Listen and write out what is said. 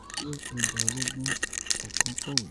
Eyi jẹ ọja ọlọgbọn,"ọkan kọwe.